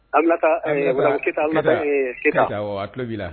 An taa a tulo b'i la